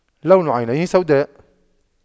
لون عينيه سوداء